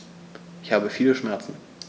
Ich habe viele Schmerzen.